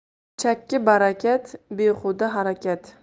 chakki barakat behuda harakat